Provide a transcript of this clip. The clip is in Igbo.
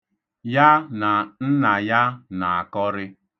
Ya na nna ya na-akọrị.